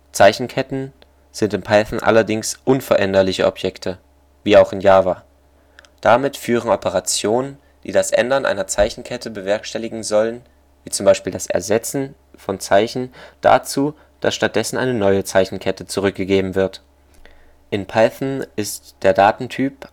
Zeichenketten sind in Python allerdings unveränderliche Objekte (wie auch in Java). Damit führen Operationen, die das Ändern einer Zeichenkette bewerkstelligen sollen – wie z. B. das Ersetzen von Zeichen – dazu, dass stattdessen eine neue Zeichenkette zurückgegeben wird. In Python ist der Datentyp